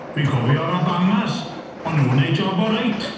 Dwi'n cofio'r Obamas, o'n nhw'n neud job oreit.